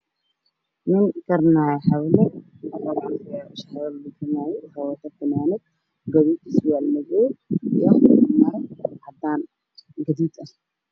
Niman karinaayo xalwo funaanado wato midabkeedu yahay guduud